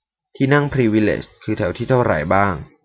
ที่นั่งพรีวิเลจคือแถวที่เท่าไหร่บ้าง